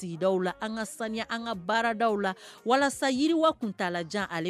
La an ka sani an ka baara la walasa yiriwa tuntaalajan ale